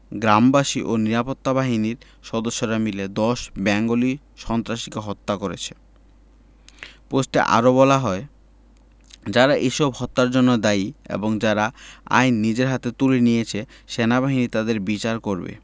গ্রামবাসী ও নিরাপত্তা বাহিনীর সদস্যরা মিলে ১০ বেঙ্গলি সন্ত্রাসীকে হত্যা করেছে পোস্টে আরো বলা হয় যারা এসব হত্যার জন্য দায়ী এবং যারা আইন নিজের হাতে তুলে নিয়েছে সেনাবাহিনী তাদের বিচার করবে